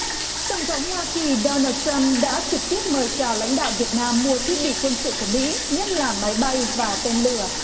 tổng thống hoa kỳ đo na trăm đã trực tiếp mời chào lãnh đạo việt nam mua thiết bị quân sự của mỹ nhất là máy bay và tên lửa